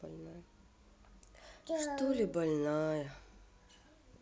что ли больная